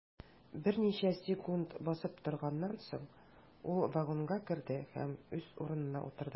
Берничә секунд басып торганнан соң, ул вагонга керде һәм үз урынына утырды.